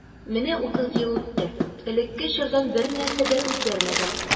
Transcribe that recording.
Менә утыз ел үтте, элекке чордан бернәрсә дә үзгәрмәгән.